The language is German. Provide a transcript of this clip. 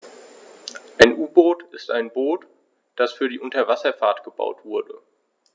Ein U-Boot ist ein Boot, das für die Unterwasserfahrt gebaut wurde.